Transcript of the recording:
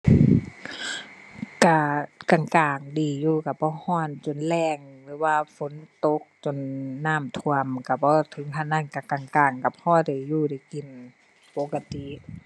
ก็กลางกลางดีอยู่ ก็บ่ก็จนแล้งหรือว่าฝนตกจนน้ำท่วมก็บ่ถึงขั้นนั้น ก็กลางกลาง ก็พอได้อยู่ได้กิน ปกติ